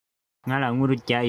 ང ལ སྒོར བརྒྱ ཡོད